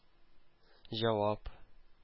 Җавап